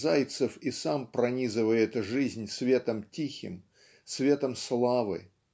Зайцев и сам пронизывает жизнь светом тихим светом славы